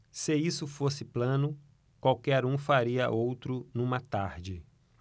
se isso fosse plano qualquer um faria outro numa tarde